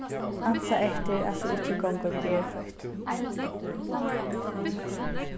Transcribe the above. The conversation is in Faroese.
ansa eftir at tú ikki gongur berføtt